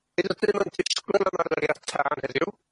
Nid ydym yn disgwyl ymarferiad tân heddiw.